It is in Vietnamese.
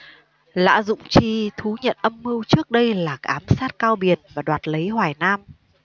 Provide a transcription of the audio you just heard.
lã dụng chi thú nhận âm mưu trước đây là ám sát cao biền và đoạt lấy hoài nam